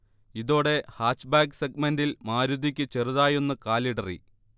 ഇതോടെ ഹാച്ച്ബാക്ക് സെഗ്മന്റെിൽ മാരുതിക്ക് ചെറുതായൊന്ന് കാലിടറി